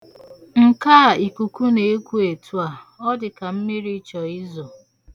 Nke a ikuku na-eku etu a, ọ dịka mmiri chọ izo.